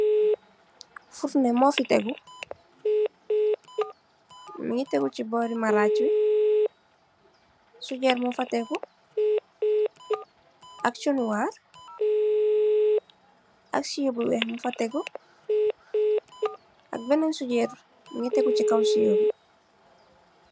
Furne mufe tegu muge tegu se bore marage be sujerr mugfa tegu ak chunwar ak sewo bu weex mugfa tegu ak benen sujerr muge tegu se kaw sewo be.